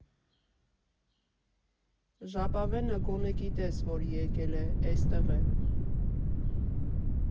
Ժապավենը գոնե գիտես, որ եկել է, էստեղ է։